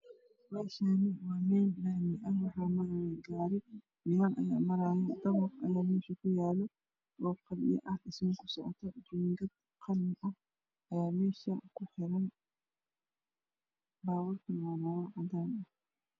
Meshaani waa meel lami ah waxaa maraya gari niman ayaa marayo dabaq ayaa meesha ku yalo oo qabyo ah dhismo ayaa ku socota jingad qalin ah ayaa meesha ku xiran babuurkana waa babuur cadan ah